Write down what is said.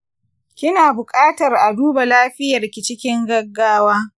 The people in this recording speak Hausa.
kina buƙatar a duba lafiyarki cikin gaggawa.